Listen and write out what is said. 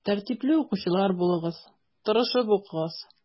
Тәртипле укучылар булыгыз, тырышып укыгыз.